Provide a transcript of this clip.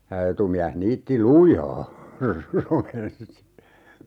ja etumies niitti lujaa romensi